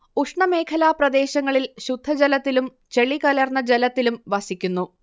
ഉഷ്ണമേഖലാ പ്രദേശങ്ങളിൽ ശുദ്ധജലത്തിലും ചെളികലർന്ന ജലത്തിലും വസിക്കുന്നു